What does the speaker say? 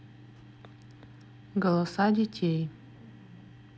голоса детей